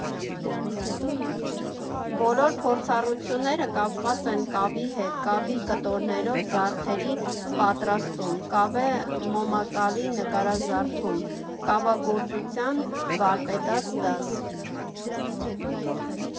Բոլոր փորձառությունները կապված են կավի հետ՝ կավի կտորներով զարդերի պատրաստում, կավե մոմակալի նկարազարդում, կավագործության վարպետաց դաս։